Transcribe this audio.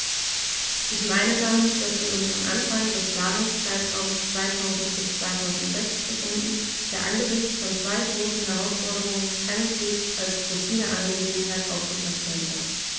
Ich meine damit, dass wir uns am Anfang des Planungszeitraums 2000-2006 befinden, der angesichts von zwei großen Herausforderungen keineswegs als Routineangelegenheit aufgefaßt werden darf.